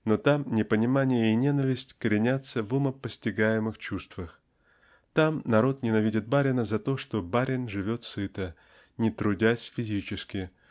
но там непонимание и ненависть коренятся в умопостигаемах чувствах. Там народ ненавидит барина за то что барин живет сыто не трудясь физически